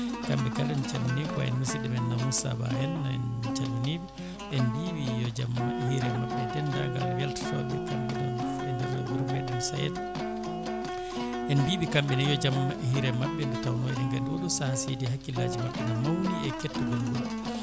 kamɓe kala en calminɓe ko wayno musidɗo men Mousa Ba en en calminiɓe en mbiɓe yo jaam hiire mabɓe e dendagal weltotoɓe kamɓene e dner wuuro meɗen Saede en mbiɓe kamɓe kamɓene yo jaam hiire mabɓe nde tawno eɗen gandi oɗo saaha so heedi hakkillaji mabɓe ne mawni e kettogol ngol